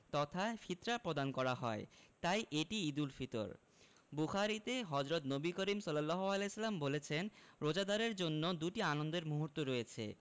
তথা ফিতরা প্রদান করা হয় তাই এটি ঈদুল ফিতর বুখারিতে হজরত নবী করিম সা বলেছেন রোজাদারের জন্য দুটি আনন্দের মুহূর্ত রয়েছে